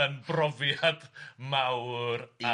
yn brofiad mawr... Ia...